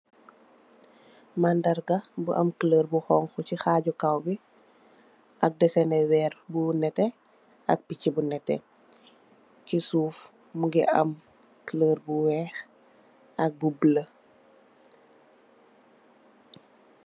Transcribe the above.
Mandarga bu am kulor bu xonxu ci xaj kaw bi ak desen neh wèèr bu netteh ak picci bu netteh.